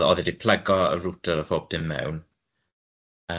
O'dd o'dd e 'di plygo y rwter a phop dim mewn.